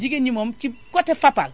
jigéen ñi moom ci côté Fapal